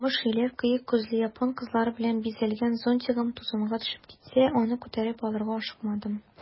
Камыш өйләр, кыек күзле япон кызлары белән бизәлгән зонтигым тузанга төшеп китсә, аны күтәреп алырга ашыкмадым.